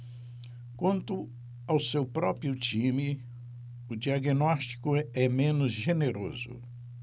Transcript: quanto ao seu próprio time o diagnóstico é menos generoso